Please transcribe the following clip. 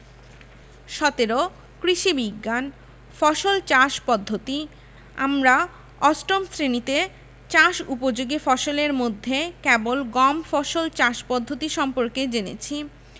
১৭ কৃষি বিজ্ঞান ফসল চাষ পদ্ধতি আমরা অষ্টম শ্রেণিতে চাষ উপযোগী ফসলের মধ্যে কেবল গম ফসল চাষ পদ্ধতি সম্পর্কে জেনেছি